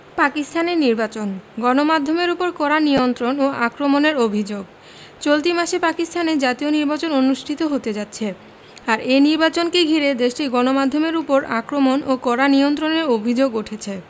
পাকিস্তানে নির্বাচন গণমাধ্যমের ওপর কড়া নিয়ন্ত্রণ ও আক্রমণের অভিযোগ চলতি মাসে পাকিস্তানে জাতীয় নির্বাচন অনুষ্ঠিত হতে যাচ্ছে আর এই নির্বাচনকে ঘিরে দেশটির গণমাধ্যমের ওপর আক্রমণ ও কড়া নিয়ন্ত্রণের অভিযোগ উঠেছে